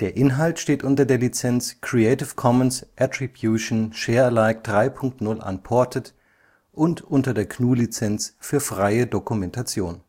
Inhalt steht unter der Lizenz Creative Commons Attribution Share Alike 3 Punkt 0 Unported und unter der GNU Lizenz für freie Dokumentation